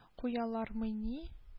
Куялармыни